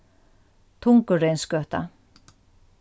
tungureynsgøta